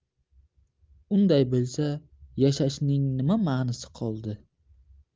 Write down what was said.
unday bo'lsa yashashning nima manisi qoldi